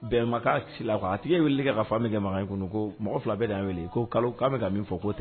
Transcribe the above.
Bɛn makan a tigi wele kɛ ka fa min kɛ makan in kun ko mɔgɔ fila bɛ' weele ko kalo k'a bɛka ka min fɔ ko tɛ